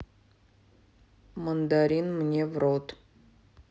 мандарин мне в рот